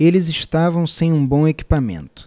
eles estavam sem um bom equipamento